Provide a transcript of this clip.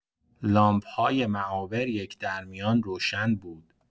لامپ‌های معابر یک‌درمیان روشن بود.